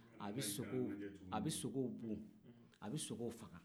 a bɛ sogow-a bɛ sogow bon a bɛ sogow faga